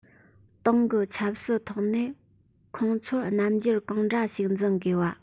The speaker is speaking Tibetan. ཏང གིས ཆབ སྲིད ཐོག ནས ཁོང ཚོར རྣམ འགྱུར གང འདྲ ཞིག འཛིན དགོས བ